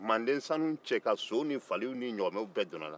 manden sanu cɛ ka so ni faliw ni ɲaamɛw bɛɛ doni a la